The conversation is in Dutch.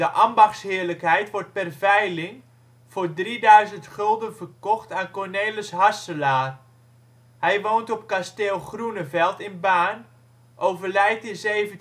ambachtsheerlijkheid wordt per veiling voor 3000 gulden verkocht aan Cornelis Hasselaer. Hij woont op kasteel Groeneveld in Baarn, overlijdt in 1737